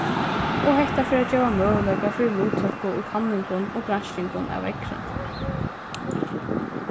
og hetta fer at geva møguleika fyri luttøku í kanningum og granskingum av veðri